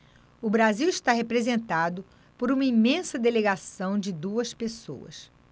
o brasil está representado por uma imensa delegação de duas pessoas